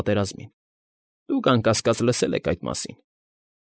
Պատերազմներին, դուք, անկասկած, լսել եք այդ մասին։